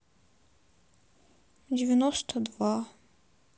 девяносто два